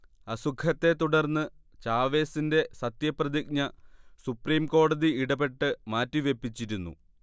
അസുഖത്തെ തുടർന്ന് ചാവെസിന്റെ സത്യപ്രതിജ്ഞ സുപ്രീം കോടതി ഇടപെട്ട് മാറ്റിവെപ്പിച്ചിരുന്നു